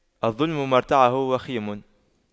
الظلم مرتعه وخيم